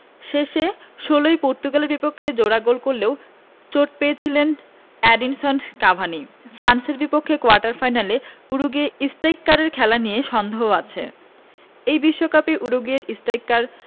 শেষ ষোলোয় পর্তুগালের বিপক্ষে জোড়া গোল করলেও চোট পেয়েছিলেন এডিনসন কাভানি ফ্রান্সের বিপক্ষে কোয়ার্টার ফাইনালে উরুগুয়ে স্ট্রাইকারের খেলা নিয়ে সন্দেহ আছে এই বিশ্বকাপে উরুগুয়ের স্ট্রাইকার